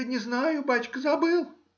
— Не знаю, бачка,— забыл.